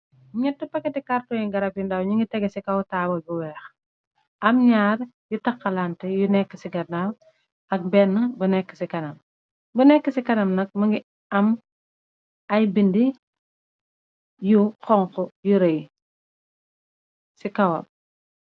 Ñett pakati kàrtong ñi garab yu ndaw ñu ngi tege ci kaw tabal bu weex. Am ñiar yu taxxalante yu nekk ci garnaw. Ak benn bu nekk ci kanam. Bu nekk ci kanam nak më ngi am ay bind yu xonx yu rëy ci kawam.